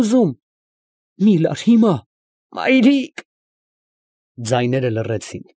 Ուզում… ֊ Մի՛ լար, հիմա… ֊ Մայրի՜կ… Ձայները լռեցին։